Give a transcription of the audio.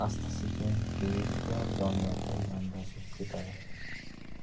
beixtiyor doniyorga yondashib ketadi